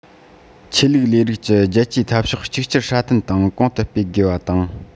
ཆོས ལུགས ལས རིགས ཀྱི རྒྱལ གཅེས འཐབ ཕྱོགས གཅིག གྱུར སྲ བརྟན དང གོང དུ སྤེལ དགོས པ དང